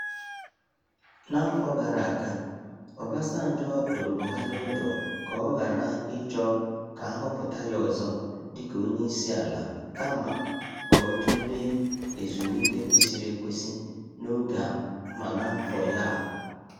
N'afọ gara aga, Obasanjo dụrụ Buhari ọdụ ka ọ ghara ịchọ ka a họpụta ya ọzọ dịka onyeisiala kama ka ọ "tụlee ezumike kwesịrị ekwesị n'oge a ma n'afọ ya a".